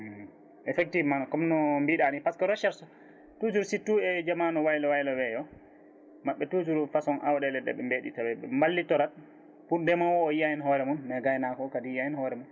effectivement comme no mbiruɗa ni par ce que ko recherce toujours surtout e jamanu waylo waylo weeyo mabɓe toujours façon awɗele ɗeɓe daaɓi tawede ɗum ballitora pour ndeemowo o yiiya hen hooremum mais gaynako o kadi yiiya hen hooremum